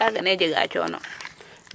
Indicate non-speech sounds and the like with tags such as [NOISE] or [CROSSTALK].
[NOISE] kaga ne jegaa coono ?